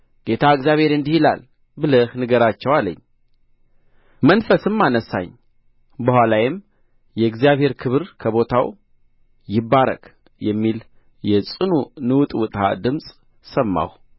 ጌታ እግዚአብሔር እንዲህ ይላል ብለህ ንገራቸው አለኝ መንፈስም አነሣኝ በኋላዬም የእግዚአብሔር ክብር ከቦታው ይባረክ የሚል የጽኑ ንውጥውጥታ ድምፅ ሰማሁ